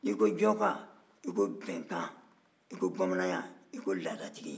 nr'i ko jɔnka i ko bɛnkan i ko bamananya i ko laadatigi